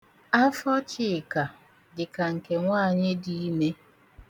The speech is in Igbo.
Afọ Chika dị ka nke nwaanyị dị ime.